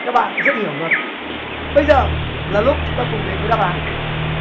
các bạn rất hiểu luật bây giờ là lúc chúng ta cùng đến với đáp án